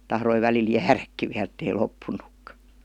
tahtoi välillä jäädäkin vielä että ei loppunutkaan